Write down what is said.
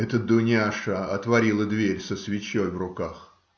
Это Дуняша отворила дверь со свечой в руках.